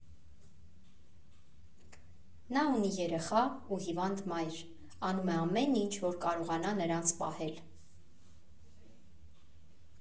Նա ունի երեխա ու հիվանդ մայր, անում է ամեն ինչ, որ կարողանա նրանց պահել։